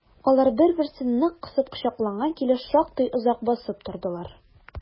Алар бер-берсен нык кысып кочаклаган килеш шактый озак басып тордылар.